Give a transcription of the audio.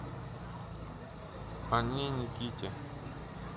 они никите